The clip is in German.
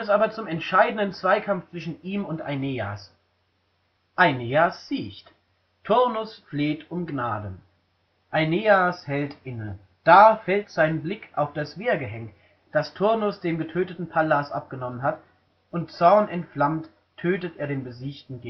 aber zum entscheidenden Zweikampf zwischen ihm und Aeneas. Aeneas siegt; Turnus fleht um Gnade. Aeneas hält inne; da fällt sein Blick auf das Wehrgehenk, das Turnus dem getöteten Pallas abgenommen hat, und zornentflammt tötet er den besiegten